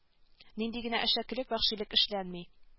Нинди генә әшәкелек вәхшилек эшләнми